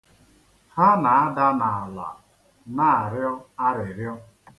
Ha na-ada n'ala na-arịọ arịrịọ.